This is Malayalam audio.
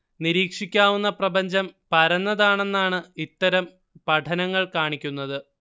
നിരീക്ഷിക്കാവുന്ന പ്രപഞ്ചം പരന്നതാണെന്നാണ് ഇത്തരം പഠനങ്ങൾ കാണിക്കുന്നത്